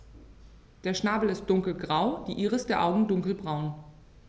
Der Schnabel ist dunkelgrau, die Iris der Augen dunkelbraun.